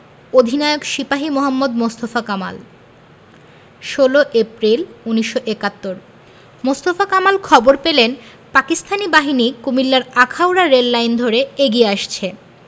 অধিনায়ক সিপাহি মোহাম্মদ মোস্তফা কামাল ১৬ এপ্রিল ১৯৭১ মোস্তফা কামাল খবর পেলেন পাকিস্তানি বাহিনী কুমিল্লার আখাউড়া রেললাইন ধরে এগিয়ে আসছে